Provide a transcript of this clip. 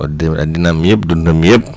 wax dëgg àddinaam yëpp dundam yëpp